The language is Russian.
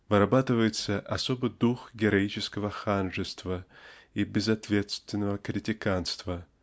вырабатывается особый дух героического ханжества и безответственного критиканства